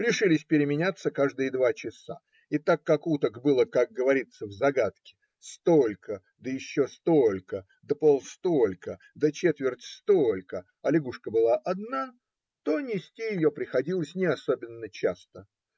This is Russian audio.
Решили переменяться каждые два часа, и так как уток было, как говорится в загадке, столько, да еще столько, да полстолько, да четверть столька, а лягушка была одна, то нести ее приходилось не особенно часто.